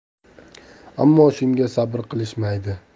ammo shunga sabr qilishmaydi